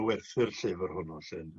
drwy werthu'r llyfr hwnnw sy'n yy...